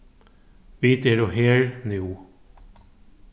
vit eru her nú